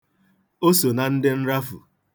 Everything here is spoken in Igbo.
O so na ndị nrafu.